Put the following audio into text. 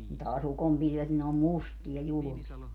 taas ukonpilvet niin ne on mustia julmia